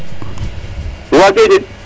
Waagee jeg